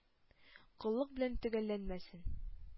Коллык белән төгәлләнмәсен!